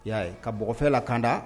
Y'a ka bɔfɛ la kanda